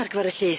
Ar gyfar y llys.